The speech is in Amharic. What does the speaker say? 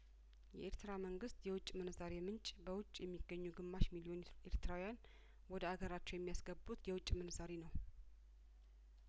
የኤርትራ መንግስት የውጭ ምንዛሬ ምንጭ በውጭ የሚገኙ ግማሽ ሚሊዮን ኤርትራውያን ወደ አገራቸው የሚያስገቡት የውጭ ምንዛሪ ነው